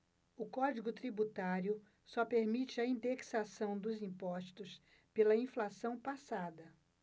o código tributário só permite a indexação dos impostos pela inflação passada